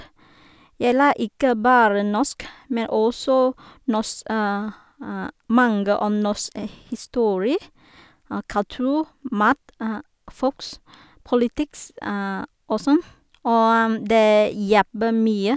Jeg lærer ikke bare norsk, men også nors mange om norsk historie, kultur, mat, folk, politikk og sånn, og det hjelper mye.